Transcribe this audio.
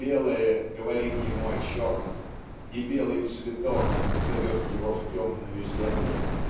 Белое говорит ему о черном, и белый цветок зовет его в темную землю.